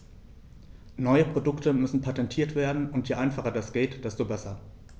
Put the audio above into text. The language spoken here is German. Neue Produkte müssen patentiert werden, und je einfacher das geht, desto besser.